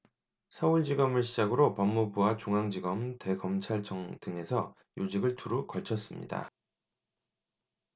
서울지검을 시작으로 법무부와 중앙지검 대검찰청 등에서 요직을 두루 걸쳤습니다